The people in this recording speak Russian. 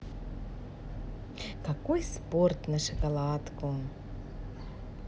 какой спорт на шоколадку